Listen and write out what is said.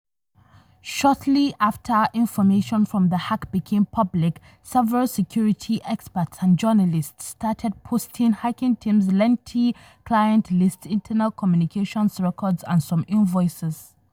Shortly after information from the hack became public, several security experts and journalists started posting Hacking Team's lengthy client list, internal communications records, and some invoices.